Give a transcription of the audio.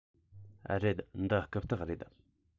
རེད འདི རྐུབ སྟེགས རེད